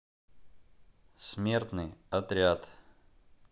смертный отряд